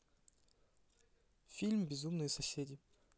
фильм безумные соседи